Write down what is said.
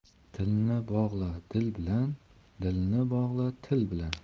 tilni bog'la dil bilan dilni bog'la til bilan